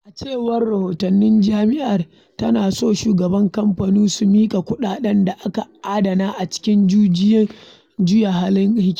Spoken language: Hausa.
A cewar rahoto jam'iyyar tana son shugabannin kamfani su miƙa kuɗaɗen da aka adana ta cikin juyin juya halin hikimar da ba ta asali ba (AI) ga ma'aikata ta ba su ƙarin hutu kwana guda.